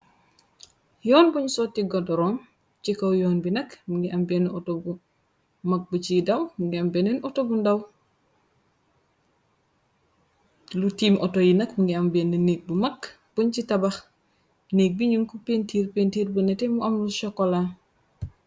Yoon buñ sotti godoro, ci kaw yoon bi nak mingi am benne auto bu mag bu ciy daw, mingi am benen auto bu ndaw, lu tiim auto yi nak mi ngi am benne neeg bu mag buñ ci tabax, neeg bi ñum ku pintiir pintiir bu nete, mu am lu sokola.